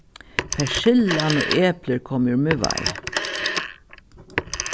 persillan og eplir komu úr miðvági